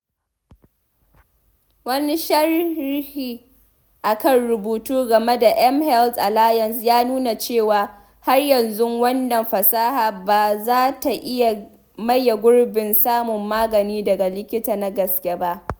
Wani sharhi a kan rubutu game da mHealth Alliance ya nuna cewa, har yanzu wannan fasaha ba za ta iya maye gurbin samun magani daga likita na gaske ba.